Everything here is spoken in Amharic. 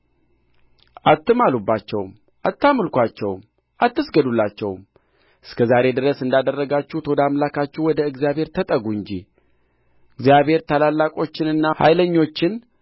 አትማሉባቸውም አታምልኩአቸውም አትስገዱላቸውም እስከ ዛሬ ድረስ እንዳደረጋችሁት ወደ አምላካችሁ ወደ እግዚአብሔር ተጠጉ እንጂ እግዚአብሔር ታላላቆችንና ኃይለኞችን